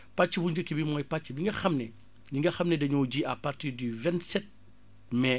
pàcc bu njëkk bi mooy pàcc bi nga xam ne ñi nga xam ne dañoo ji à partir du vingt sept mai